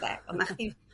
Ynde? Nachdi